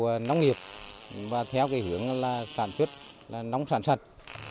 nông nghiệp và theo cái hướng là sản xuất nông sản sạch